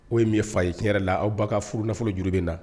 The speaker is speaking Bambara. O ye nin ye fa ye tiɲɛ yɛrɛ la aw ba ka furu nafolo juru bɛ na